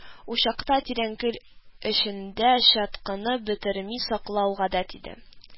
Учакта тирән көл эчендә чаткыны бетерми саклау гадәт иде